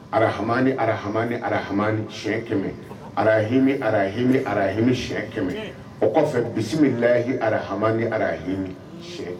Arahami ni arahami ni arahami siyɛn kɛmɛ arahimmi arahimi arahimi siyɛn kɛmɛ o kɔfɛ bisimila min lahi ara hami ni arahimi